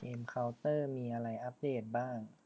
เกมเค้าเตอร์มีอะไรอัปเดตบ้าง